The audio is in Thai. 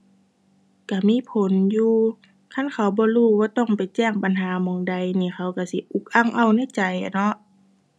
ก็มีผลอยู่ คันเขาบ่รู้ว่าต้องไปแจ้งปัญหาหม้องใดนี่เขาก็สิอุกอั่งอ้าวในใจอะเนาะ